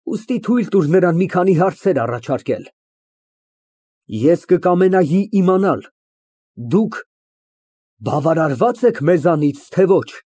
Ուստի թույլ տուր նրան մի քանի հարցեր առաջարկել։ (Դառնում է Օթարյանին) Ես կկամենայի իմանալ, դուք բավարարվա՞ծ եք մեզանից, թե՞ ոչ։